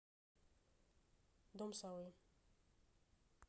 дом совы